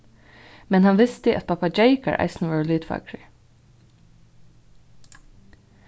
men hann visti at pappageykar eisini vóru litfagrir